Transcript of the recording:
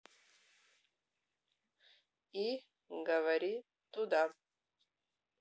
и говори туда